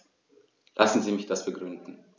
Lassen Sie mich das begründen.